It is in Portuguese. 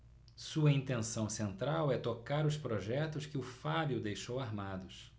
sua intenção central é tocar os projetos que o fábio deixou armados